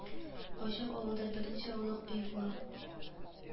Кайчак авылда берничә аулак өй була